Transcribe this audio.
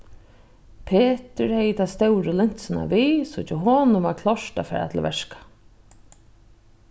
petur hevði ta stóru linsuna við so hjá honum var klárt at fara til verka